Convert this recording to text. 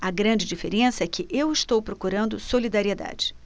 a grande diferença é que eu estou procurando solidariedade